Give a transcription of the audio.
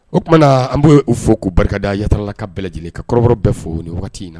O tumaumana an b'' u fo k'u barika da yatarala ka bɛɛ lajɛlen ka kɔrɔ bɛɛ fo ni wagati in na